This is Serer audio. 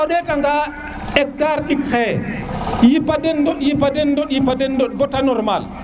o ɗeta nga hectar ɗik xaye yipa den ɗoɗ yipa den ɗoɗ yipa den ɗoɗ ba ta normal